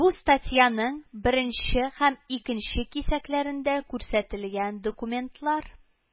Бу статьяның беренче һәм икенче кисәкләрендә күрсәтелгән документлар